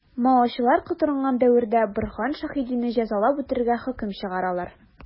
Маочылар котырынган дәвердә Борһан Шәһидине җәзалап үтерергә хөкем чыгаралар.